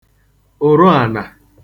ụ̀rụàna